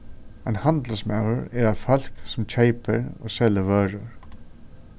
ein handilsmaður er eitt fólk sum keypir og selur vørur